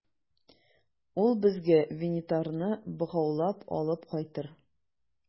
Ул безгә Винитарны богаулап алып кайтыр.